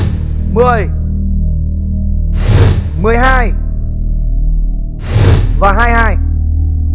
mười mười hai và hai hai